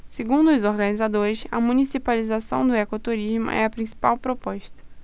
segundo os organizadores a municipalização do ecoturismo é a principal proposta